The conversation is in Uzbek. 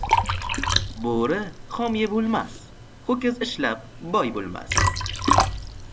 bo'ri xom yeb o'lmas ho'kiz ishlab boy bo'lmas